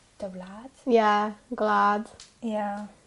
Dy wlad? Ia gwlad. Ia.